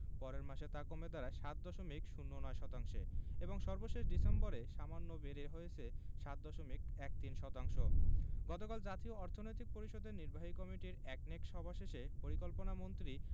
পরের মাসে তা কমে দাঁড়ায় ৭ দশমিক ০৯ শতাংশে এবং সর্বশেষ ডিসেম্বরে সামান্য বেড়ে হয়েছে ৭ দশমিক ১৩ শতাংশ গতকাল জাতীয় অর্থনৈতিক পরিষদের নির্বাহী কমিটির একনেক সভা শেষে পরিকল্পনামন্ত্রী